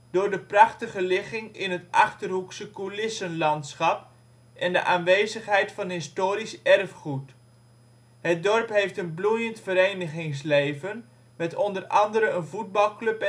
door de prachtige ligging in het Achterhoekse coulisselandschap en de aanwezigheid van historisch erfgoed. Het dorp heeft een bloeiend verenigingsleven met onder andere een voetbalclub